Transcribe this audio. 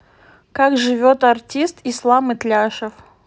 как живет артист ислам итляшев